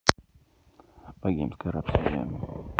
богемская рапсодия